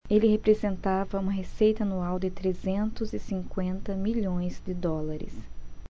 ele representava uma receita anual de trezentos e cinquenta milhões de dólares